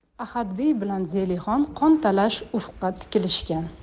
ahadbey bilan zelixon qontalash ufqqa tikilishgan